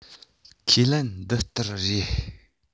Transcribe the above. ཁས ལེན འདི ལྟར རེད